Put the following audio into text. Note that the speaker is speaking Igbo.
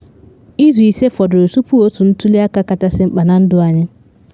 “Izu ise fọdụrụ tupu otu ntuli aka kachasị mkpa na ndụ anyị.